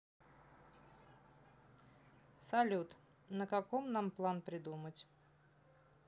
салют на какой нам план придумать